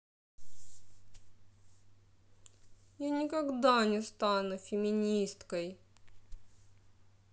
я никогда не стану феминисткой